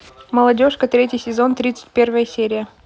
молодежка третий сезон тридцать первая серия